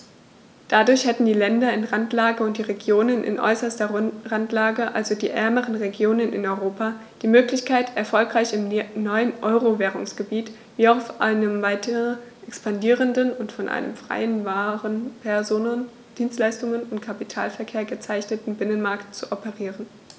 Dadurch hätten die Länder in Randlage und die Regionen in äußerster Randlage, also die ärmeren Regionen in Europa, die Möglichkeit, erfolgreich im neuen Euro-Währungsgebiet wie auch auf einem weiter expandierenden und von einem freien Waren-, Personen-, Dienstleistungs- und Kapitalverkehr gekennzeichneten Binnenmarkt zu operieren.